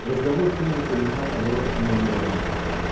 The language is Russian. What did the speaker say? Разговор тоже принимал оборот фамильярности.